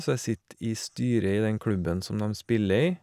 Så jeg sitter i styret i den klubben som dem spiller i.